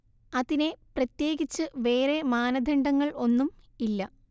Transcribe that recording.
അതിനെ പ്രത്യേകിച്ച് വേറേ മാനദണ്ഡങ്ങൾ ഒന്നും ഇല്ല